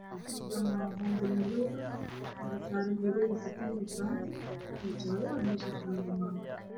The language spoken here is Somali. Halkan waa bom bale waxa sa ran dhago katin iyo faranti oo jale ah